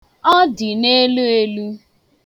Ọ dị n'eluelu.